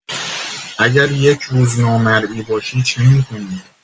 اگر یک روز نامرئی باشی چه می‌کنی؟